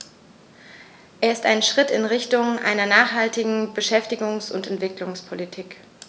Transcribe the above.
Er ist ein Schritt in Richtung einer nachhaltigen Beschäftigungs- und Entwicklungspolitik.